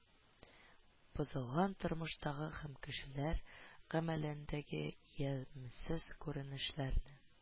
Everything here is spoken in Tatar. Бозылган тормыштагы һәм кешеләр гамәлендәге ямьсез күренешләрне